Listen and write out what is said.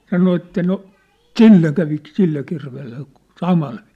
sanoi että no sille kävi sille kirveelle samalla viisiin